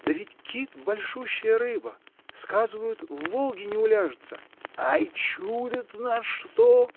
— Да ведь тит большущая рыба: сказывают, в Волге не уляжется. — А чудо-то на что?